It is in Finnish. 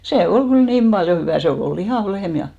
se oli kyllä niin paljon hyvää se oli oli lihava lehmä ja